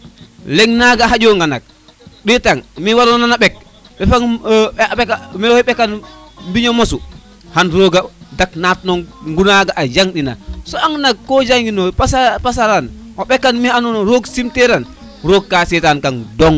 leŋ naga xaƴo nga nak ɗetan me wara nona ɓek waxey ɓekan mbiƴo mosu xan roga dan naak noŋ bo naga a jang ina soɓaŋ nak ko jangin pasaran o ɓekan me ando naye roog sim tiran roog ka setaan kaŋ dong